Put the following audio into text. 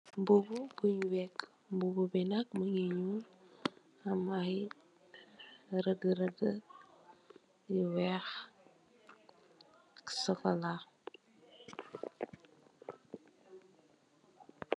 Mbubu bunj wéhku mbubu bi nak mugi nyul am ai reudu reudu nyu weex sokola.